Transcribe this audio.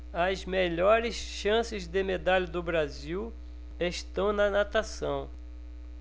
as melhores chances de medalha do brasil estão na natação